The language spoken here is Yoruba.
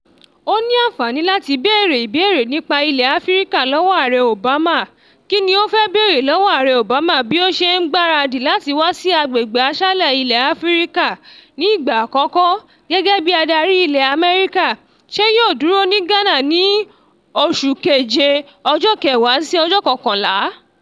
O ní àǹfààní láti beèrè ìbéèrè nípa ilẹ̀ Áfíríkà lọ́wọ Aàrẹ Obama: Kí ni o fẹ́ bèèrè lọ́wọ Aàrẹ Obama bí ó ṣe ń gbaradì láti wá sí àwọn agbègbè aṣálẹ̀ ilẹ̀ Áfíríkà ní ìgbà àkọ́kọ́ gẹ́gẹ́ bi adarí ilẹ̀ Àmẹ́ríkà – ṣé yóò dúró ní Ghana ni July 10-11?